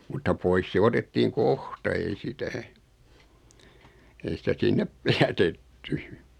mutta pois se otettiin kohta ei sitä ei sitä sinne jätetty